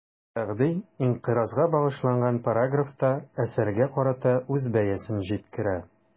Сәгъди «инкыйраз»га багышланган параграфта, әсәргә карата үз бәясен җиткерә.